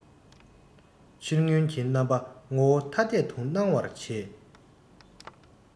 ཕྱིར མངོན གྱི རྣམ པ ངོ བོ ཐ དད དུ སྣང བར བྱེད